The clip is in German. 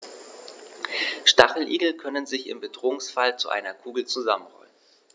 Stacheligel können sich im Bedrohungsfall zu einer Kugel zusammenrollen.